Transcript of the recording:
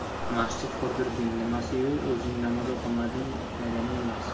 masjid qurdirganing nimasi yu o'zing namoz o'qimaganing nimasi